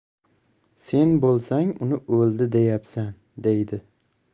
sen bo'lsang uni o'ldi deyapsan deydi